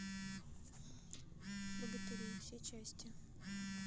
богатыри все части